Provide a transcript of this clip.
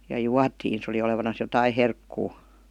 ja juotiin se oli olevinaan jotakin herkkua